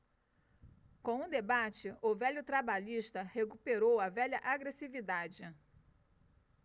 com o debate o velho trabalhista recuperou a velha agressividade